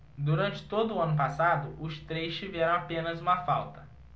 durante todo o ano passado os três tiveram apenas uma falta